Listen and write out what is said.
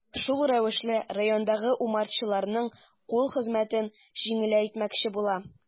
Шул рәвешле районындагы умартачыларның кул хезмәтен җиңеләйтмәкче була.